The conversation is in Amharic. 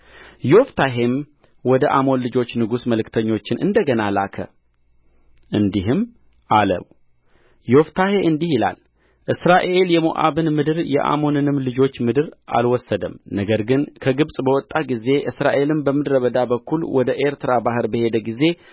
ዮፍታሔም ወደ አሞን ልጆች ንጉሥ መልክተኞችን እንደ ገና ላከ እንዲህም አለው ዮፍታሔ እንዲህ ይላል እስራኤል የሞዓብን ምድር የአሞንንም ልጆች ምድር አልወሰደም ነገር ግን ከግብፅ በወጣ ጊዜ እስራኤልም በምድረ በዳ በኩል ወደ ኤርትራ ባሕር በሄደ ጊዜ